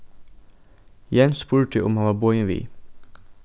jens spurdi um hann var boðin við